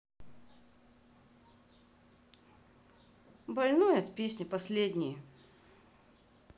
больной от песни последние